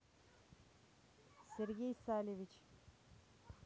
сергей саливич